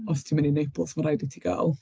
Os ti'n mynd i Naples mae'n rhaid i ti gael...